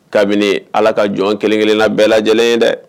Kabini ala ka jɔn kelen- kelenla bɛɛ lajɛlen ye dɛ